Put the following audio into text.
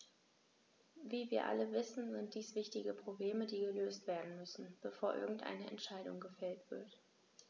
Wie wir alle wissen, sind dies wichtige Probleme, die gelöst werden müssen, bevor irgendeine Entscheidung gefällt wird.